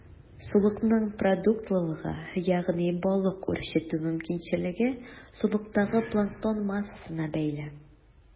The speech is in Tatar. Сулыкның продуктлылыгы, ягъни балык үрчетү мөмкинчелеге, сулыктагы планктон массасына бәйле.